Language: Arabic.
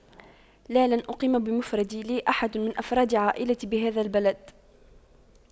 لا لن أقيم بمفردي لي أحد من أفراد عائلتي بهذا البلد